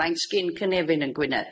Faint sgin Cynefin yn Gwynedd?